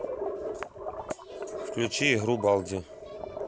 включи игру балди